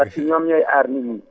parce que ñoom ñoor aar nit ñi